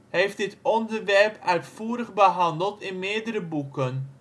heeft dit onderwerp uitvoerig behandeld in meerdere boeken